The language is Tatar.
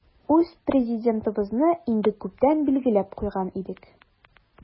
Үз Президентыбызны инде күптән билгеләп куйган идек.